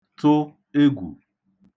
tụ egwù